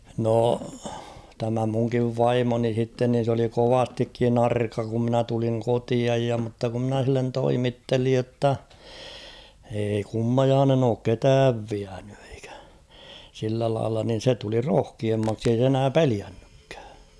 no tämä minunkin vaimoni sitten niin se oli kovastikin arka kun minä tulin kotiin ja mutta kun minä sille toimittelin jotta ei kummajainen ole ketään vienyt ikinä sillä lailla niin se tuli rohkeammaksi ei se enää pelännytkään